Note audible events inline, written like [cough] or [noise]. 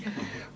[hesitation] [hesitation]